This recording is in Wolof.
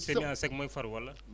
semis à sec mooy faru wala